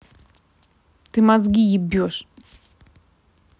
ты мозги ебешь